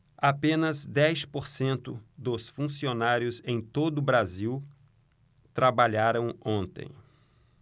apenas dez por cento dos funcionários em todo brasil trabalharam ontem